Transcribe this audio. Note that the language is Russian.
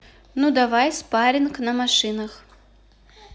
ну давай спарринг на машинах